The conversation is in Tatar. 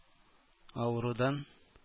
Авырудан